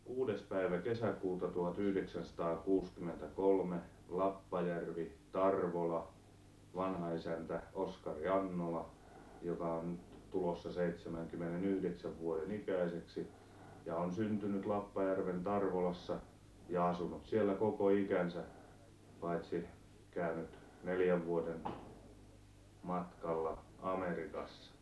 kuudes päivä kesäkuuta tuhatyhdeksänsataakuuskymmentäkolme Lappajärvi Tarvola vanhaisäntä Oskari Annola joka on nyt tulossa seitsemänkymmenenyhdeksän vuoden ikäiseksi ja on syntynyt Lappajärven Tarvolassa ja asunut siellä koko ikänsä paitsi käynyt neljän vuoden matkalla Amerikassa